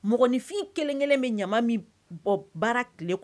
Mɔgɔninfin 1 1 bɛ ɲama min bɔn